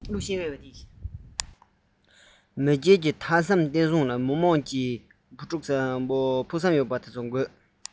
མེས རྒྱལ ཀྱི མཐའ མཚམས བརྟན སྲུང ལ མི དམངས ཀྱི བུ ཕྲུག ཕུགས བསམ ཡོད པ དེ ཚོ དགོས